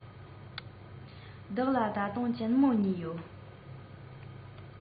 བདག ལ ད དུང གཅེན མོ གཉིས ཡོད